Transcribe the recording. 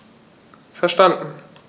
Verstanden.